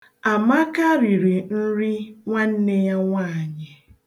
Amaka riri nri nwanne ya nwaanyị.